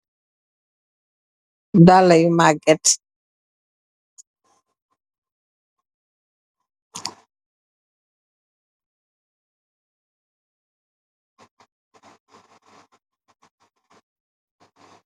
Dallu yu maget mujel tebi wahut